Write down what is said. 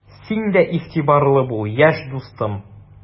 Син дә игътибарлы бул, яшь дустым!